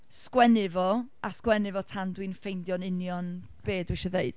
sgwennu fo, a sgwennu fo tan dwi'n ffeindio'n union be dwi isio ddeud.